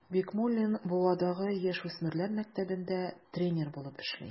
Бикмуллин Буадагы яшүсмерләр мәктәбендә тренер булып эшли.